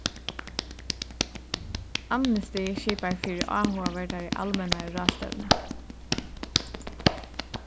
amnesty skipaði fyri áhugaverdari almennari ráðstevnu